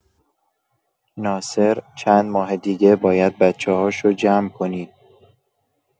ناصر، چند ماه دیگه باید بچه‌هاشو جمع کنی.